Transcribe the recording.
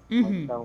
Unhun